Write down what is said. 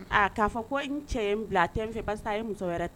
Aa k'a fɔ ko n cɛ in bila a tɛ fɛ basi a ye muso wɛrɛ ta